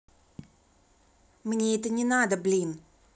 мне это не надо блин